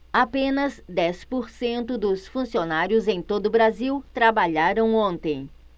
apenas dez por cento dos funcionários em todo brasil trabalharam ontem